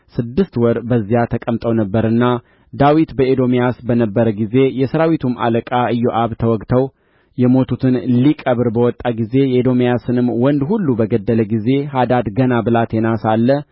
ስድስት ወር በዚያ ተቀምጠው ነበርና ዳዊት በኤዶምያስ በነበረ ጊዜ የሠራዊቱም አለቃ ኢዮአብ ተወግተው የሞቱትን ሊቀብር በወጣ ጊዜ የኤዶምያስንም ወንድ ሁሉ በገደለ ጊዜ ሃዳድ ገና ብላቴና ሳለ